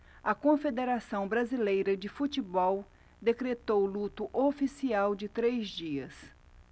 a confederação brasileira de futebol decretou luto oficial de três dias